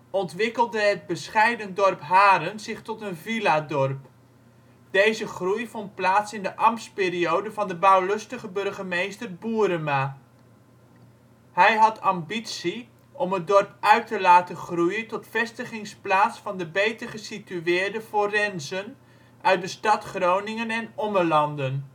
ontwikkelde het bescheiden dorp Haren zich tot een villadorp. Deze groei vond plaats in de ambtsperiode van de bouwlustige burgemeester Boerema. Hij had ambitie om het dorp uit te laten groeien tot vestigingsplaats van de beter gesitueerde forenzen uit stad Groningen en Ommelanden